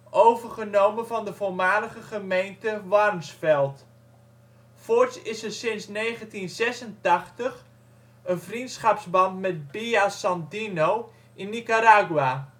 overgenomen van de voormalige gemeente Warnsveld) Voorts is er sinds 1986 een vriendschapsband met Villa Sandino (Nicaragua